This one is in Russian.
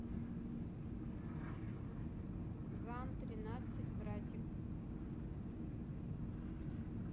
ган тринадцать братик